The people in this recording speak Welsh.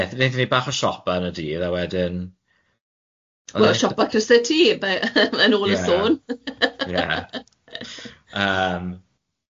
Do yym ie nethon ni bach o siopa yn y dydd a wedyn... O'dd y siopa cryse ti be- yn ôl y sôn .